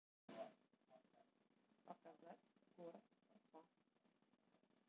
показать город уфа